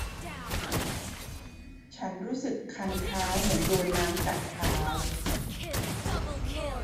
ฉันรู้สึกคันเท้าเหมือนโดนน้ำกัดเท้า